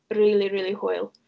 Rili, rili hwyl.